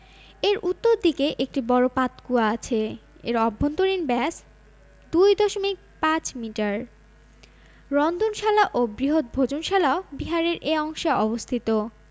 এর উত্তর দিকে একটি বড় পাতকূয়া আছে এর অভ্যন্তরীণ ব্যাস ২ দশমিক ৫ মিটার রন্ধনশালা ও বৃহৎ ভোজনশালাও বিহারের এ অংশে অবস্থিত